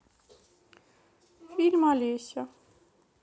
фильм олеся